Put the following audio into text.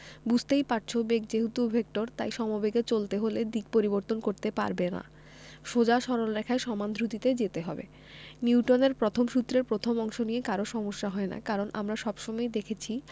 বুঝতেই পারছ বেগ যেহেতু ভেক্টর তাই সমবেগে চলতে হলে দিক পরিবর্তন করতে পারবে না সোজা সরল রেখায় সমান দ্রুতিতে যেতে হবে নিউটনের প্রথম সূত্রের প্রথম অংশ নিয়ে কারো সমস্যা হয় না কারণ আমরা সব সময়ই দেখেছি